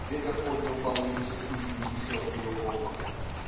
Ветер поднял по улице пыль и несет ее облаком.